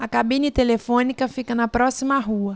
a cabine telefônica fica na próxima rua